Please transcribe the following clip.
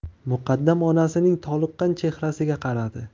muqaddam onasining toliqqan chehrasiga qaradi